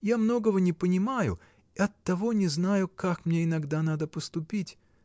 — Я многого не понимаю и оттого не знаю, как мне иногда надо поступить.